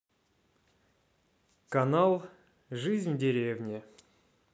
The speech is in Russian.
канал жизнь в деревне